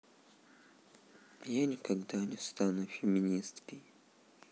я никогда не стану феминисткой